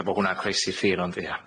Ella bo hwnna'n croesi'r ffin ond ia.